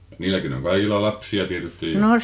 niilläkin on kaikilla lapsia tietysti jo